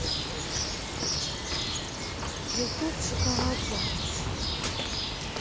ютуб шоколад заяц